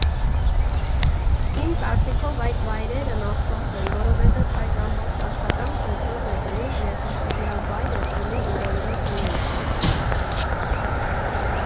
Իմ կարծիքով այդ վայրերն ափսոս են, որովհետև այդ ամբողջ աշխատանքը ջուրն է գնում, եթե տվյալ վայրը չունի յուրօրինակ մենյու։